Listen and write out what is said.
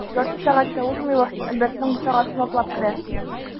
Ярты сәгать тә узмый, Вахит Альбертның бусагасын атлап керә.